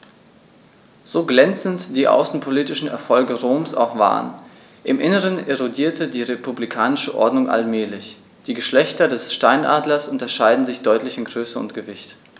So glänzend die außenpolitischen Erfolge Roms auch waren: Im Inneren erodierte die republikanische Ordnung allmählich. Die Geschlechter des Steinadlers unterscheiden sich deutlich in Größe und Gewicht.